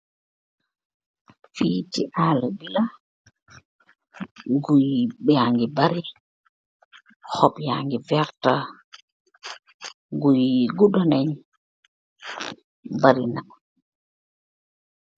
Fii chi aarlah bi la, guiiy yangy bari, hopp yangy vertah, guiiy yii guda nen, bari na.